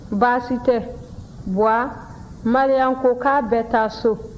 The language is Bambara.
baasi tɛ baba maria ko k'a bɛ taa so